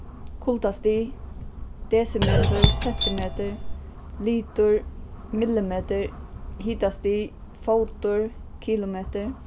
kuldastig desimetur sentimetur litur millimetur hitastig fótur kilometur